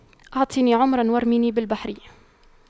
اعطني عمرا وارميني بالبحر